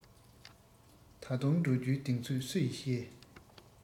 ད དུང འགྲོ རྒྱུའི གདེང ཚོད སུ ཡིས ཤེས